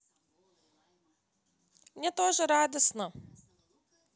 мне тоже радостно